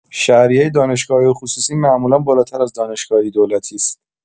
شهریه دانشگاه‌‌های خصوصی معمولا بالاتر از دانشگاه‌‌های دولتی است.